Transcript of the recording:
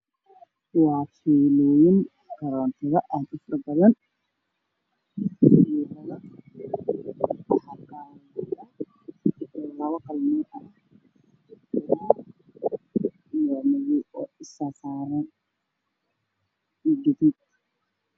Waxaa ii muuqda fiilooyin laba kalarkooda yahay gudahood buluug waan filayn waaweyn dhul ay yaalaan